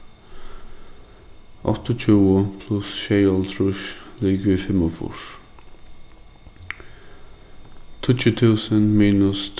áttaogtjúgu pluss sjeyoghálvtrýss ligvið fimmogfýrs tíggju túsund minus